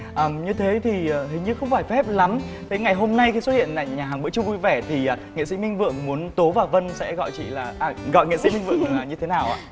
à như thế thì hình như không phải phép lắm thế ngày hôm nay khi xuất hiện tại nhà hàng bữa trưa vui vẻ thì nghệ sĩ minh vượng muốn tố và vân sẽ gọi chị là à gọi nghệ sĩ minh vượng là như thế nào ạ